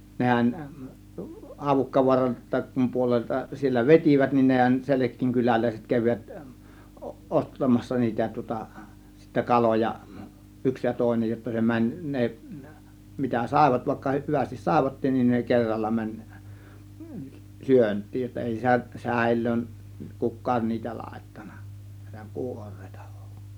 nehän Havukkavaaran Röksän puolelta siellä vetivät niin nehän Selkien kyläläiset kävivät - ostamassa niitä tuota sitten kaloja yksi ja toinen jotta se meni ne mitä saivat vaikka hyvästi saivatkin niin ne kerralla meni syöntiin jotta ei - säilöön kukaan niitä laittanut näitä kuoreita vain